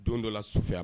Don dɔ la so yan